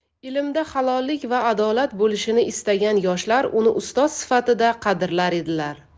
ilmda halollik va adolat bo'lishini istagan yoshlar uni ustoz sifatida qadrlar edilar